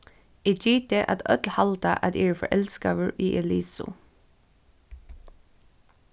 eg giti at øll halda at eg eri forelskaður í elisu